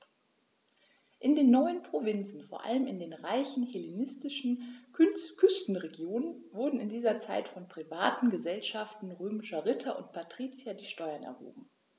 In den neuen Provinzen, vor allem in den reichen hellenistischen Küstenregionen, wurden in dieser Zeit von privaten „Gesellschaften“ römischer Ritter und Patrizier die Steuern erhoben.